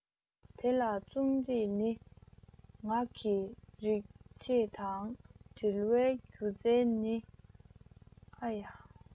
དེ ལ རྩོམ རིག ནི ངག གི རིག བྱེད དང འབྲེལ བའི སྒྱུ རྩལ གྱི རྣམ གྲངས ཤིག ཡིན ལ